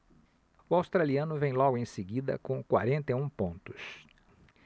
o australiano vem logo em seguida com quarenta e um pontos